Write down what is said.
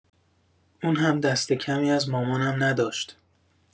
اون هم دست‌کمی از مامانم نداشت.